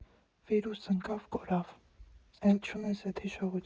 Վիրուս ընկավ, կորավ՝ էլ չունես էդ հիշողությունը։